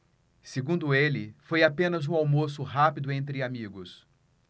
segundo ele foi apenas um almoço rápido entre amigos